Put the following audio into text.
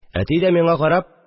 Әти дә, миңа карап